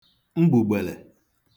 mgbùgbèlè